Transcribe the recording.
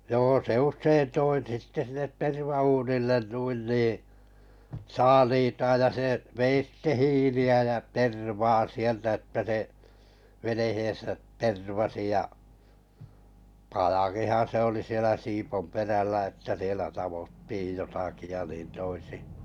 joo se usein toi sitten sinne tervauunille noin niin saaliitaan ja se vei sitten hiiliä ja tervaa sieltä että se veneensä tervasi ja pajakinhan se oli siellä Siiponperällä että siellä taottiin jotakin ja niin toisin